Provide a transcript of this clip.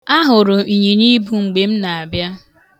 Ahụrụ m ịnyịnyiibu mgbe m na-abịa.